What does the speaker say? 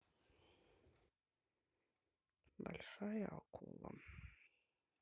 большая акула